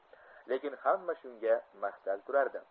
lekin hamma shunga mahtal turardi